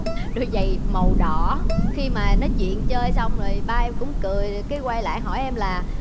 đôi giày màu đỏ khi mà nói chuyện chơi xong rồi ba em cũng cười cái quay lại hỏi em là